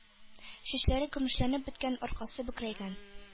Чәчләре көмешләнеп беткән, аркасы бөкрәйгән,